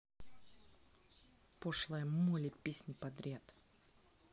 пошлая молли песни подряд